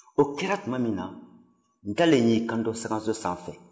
o kɛra tuma min na ntalen y'i kanto sankanso sanfɛ